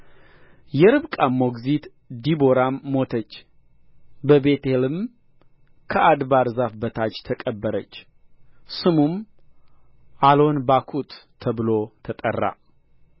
የርብቃ ሞግዚት ዲቦራም ሞተች በቤቴልም ከአድባር ዛፍ በታች ተቀበረች ስሙም አሎንባኩት ተብሎ ተጠራ